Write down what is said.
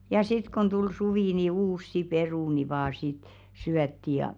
ja sitten kun tuli suvi niin uusia perunoita vain sitten syötiin ja